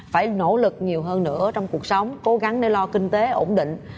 phải nỗ lực nhiều hơn nữa trong cuộc sống cố gắng để lo kinh tế ổn định